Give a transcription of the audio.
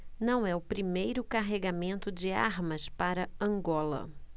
não é o primeiro carregamento de armas para angola